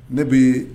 Ne bɛ' yen